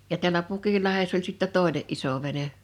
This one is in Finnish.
ja täällä Pukinlahdessa oli sitten toinen iso vene